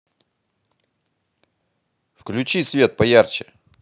включи свет поярче